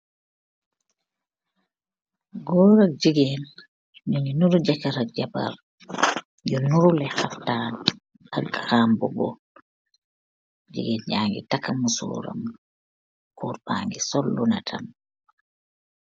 Goor ak jigeen nyew geggy nduru jekeer ak jabaar, nyew duruleh haftan ak garam bubu, jigeen mba geggy taka musoram goor mba gegy taka lunehtam